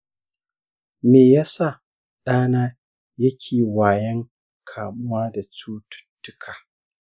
me yasa ɗana yake wayan kamuwa da cututtuka?